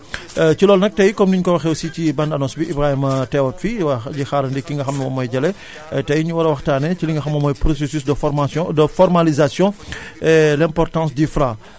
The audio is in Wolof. ci loolu nag tay comme ni ñu ko waxee ci bande annonce bi Ibrahima teewaat fi di xaarandi ki nga xam ne moom mooy Jalle tay ñu war a waxtaanee ci li nga xam ne moom mooy processus de formation de formalisation et l' importance du Fra